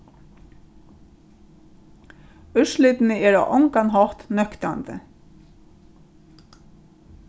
úrslitini eru á ongan hátt nøktandi